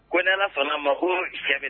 Kɔnɛlafana ma de cɛ